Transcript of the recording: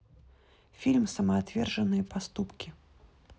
фильм самоотверженные поступки